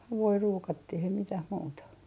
havuja ruukattiin ei mitään muuta